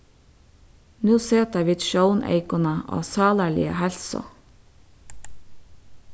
nú seta vit sjóneykuna á sálarliga heilsu